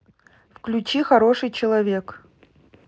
включи хороший человек